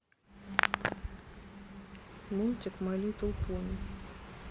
мультик май литл пони